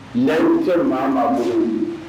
Lahidu tɛ maa o maa bolo olu don.